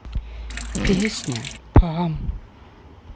песня пам